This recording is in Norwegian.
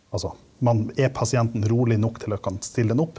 altså man er pasienten rolig nok til at kan stille den opp?